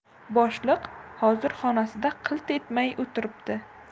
boshliq hozir xonasida qilt etmay o'tiribdi